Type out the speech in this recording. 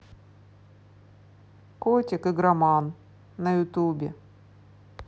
котик игроман на ютубе